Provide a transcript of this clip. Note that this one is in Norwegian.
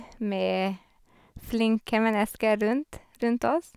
Med flinke mennesker rundt rundt oss.